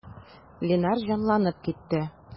Линар җанланып китте.